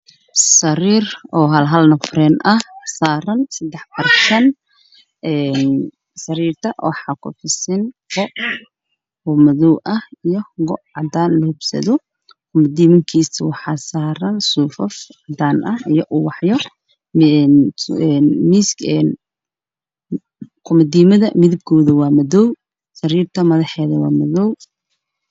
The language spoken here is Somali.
Sariir hal hal nafar ah saaran go madow ah